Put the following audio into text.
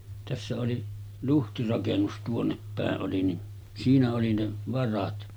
tässä oli luhtirakennus tuonne päin oli niin siinä oli ne varat